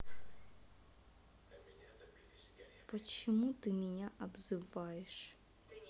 почему ты меня обзываешь